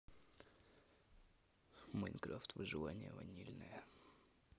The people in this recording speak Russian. майнкрафт выживание ванильное